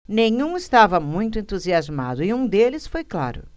nenhum estava muito entusiasmado e um deles foi claro